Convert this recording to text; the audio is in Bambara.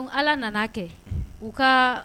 Ala nana kɛ u ka